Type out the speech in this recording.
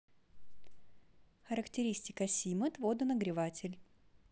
характеристика симат водонагреватель